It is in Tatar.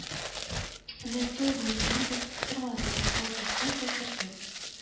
Дә стоит микән дип тормадым, салдырдым да кердем